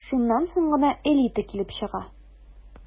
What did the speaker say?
Шуннан соң гына «элита» килеп чыга...